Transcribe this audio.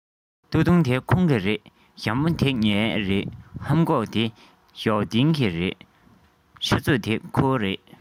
སྟོད ཐུང འདི ཁོང གི རེད ཞྭ མོ འདི ངའི རེད ལྷམ གོག འདི ཞའོ ཏིང གི རེད ཆུ ཚོད འདི ཁོའི རེད